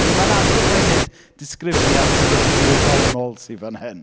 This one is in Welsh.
Hynny yw mae'n amlwg mai nid disgrifiad sort of gwyddonol sydd fan hyn,